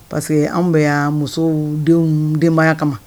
Parce que anw be yan musow denw denbaya kama